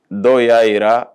Dɔw y'a jira